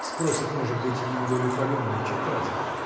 -- спросит, может быть, неудовлетворенный читатель.